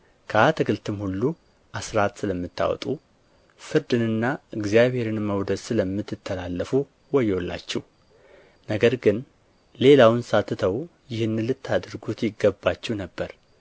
ከአትክልትም ሁሉ አሥራት ስለምታወጡ ፍርድንና እግዚአብሔርን መውደድ ስለምትተላለፉ ወዮላችሁ ነገር ግን ሌላውን ሳትተዉ ይህን ልታደርጉት ይገባችሁ ነበር